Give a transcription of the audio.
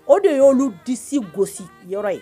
O de ye olu diisi gosi yɔrɔ ye!